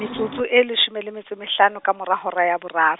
metsotso e leshome le metso e mehlano ka mora hora ya boraro.